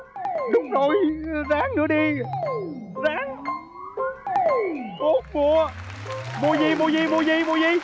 đúng rồi ráng nữa đi ráng bốn mùa mùa gì mùa gì mùa gì mùa gì